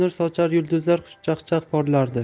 nur sochar yulduzlar xushchaqchaq porlardi